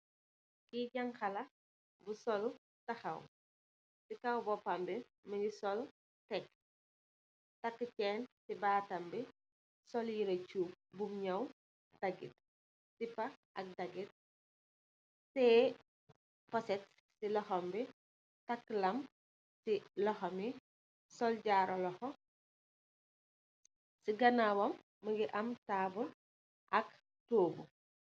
Bii janxa la, bu sollu, taxaw. Si kow boopam bi, mung si sol tek. Taakë ceen si baatam bi, sol yiree yuñg cuub bum ñaw daggit ak sippa, tiyee poset si loxoom bi, takkë lam, si loxo bi, jaaru loxo. Si ganaawam, mu ngi am, taabul ak toogu.